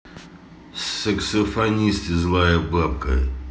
саксофонисты злая бабка